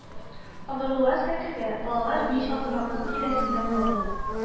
Авырулар сәкедә, балалар мич алдында, ут тирәсендә калды